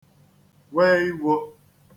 we iwō